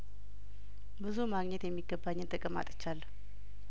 ብዙ ማግኘት የሚገባኝን ጥቅም አጥቻለሁ